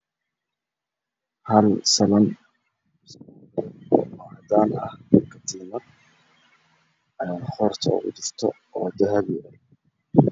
Hal sano ka tiinad qoortaaga jirto oo dahab ah